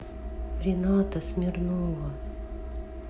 рената смирнова